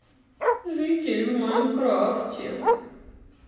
житель в майнкрафте